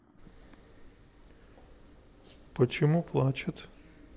почему плачет